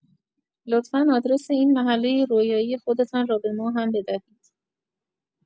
لطفا آدرس این محله رویایی خودتان را به ما هم بدهید.